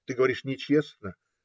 Ты говоришь - нечестно